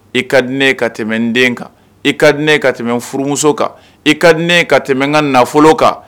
I ka di ne ka tɛmɛ n den kan i ka di ne ka tɛmɛ n furumuso kan i ka di ne ka tɛmɛ n ka nafolo kan